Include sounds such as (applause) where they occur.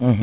(hesitation) (hesitation)